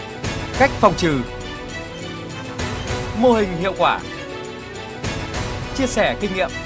cách phòng trừ mô hình hiệu quả chia sẻ kinh nghiệm